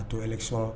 A to election